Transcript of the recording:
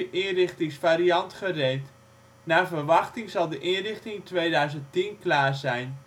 inrichtingsvariant gereed. Naar verwachting zal de inrichting in 2010 klaar zijn